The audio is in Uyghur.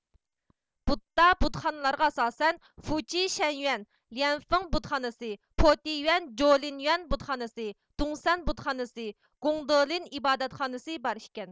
بۇددا بۇتخانىلارغا ئاساسەن فۇچى شەنيۈەن لىيەنفىڭ بۇتخانىسى پوتىيۈەن جولىنيۈەن بۇدخانىسى دۇڭسەن بۇدخانىسى گۇڭدېلىن ئىبادەتخانىسى بار ئىكەن